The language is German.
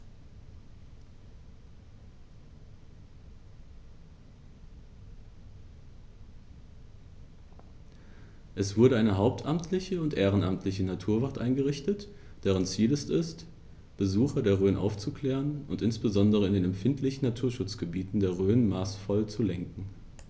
Es wurde eine hauptamtliche und ehrenamtliche Naturwacht eingerichtet, deren Ziel es ist, Besucher der Rhön aufzuklären und insbesondere in den empfindlichen Naturschutzgebieten der Rhön maßvoll zu lenken.